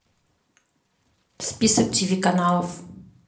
список тв каналов